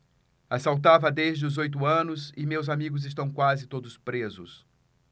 assaltava desde os oito anos e meus amigos estão quase todos presos